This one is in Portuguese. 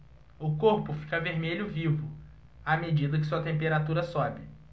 o corpo fica vermelho vivo à medida que sua temperatura sobe